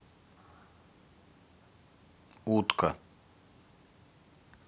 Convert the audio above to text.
утка